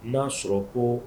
Na sɔrɔ ko